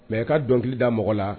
Mais i ka dɔnkili da mɔgɔ la